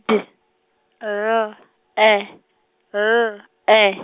D L E L E.